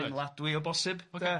dyngladwy o bosib ocê.